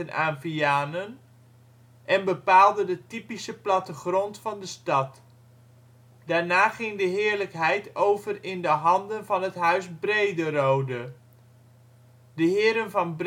aan Vianen en bepaalde de typische plattegrond van de stad. Daarna ging de heerlijkheid over in de handen van het huis Brederode. De heren van Brederode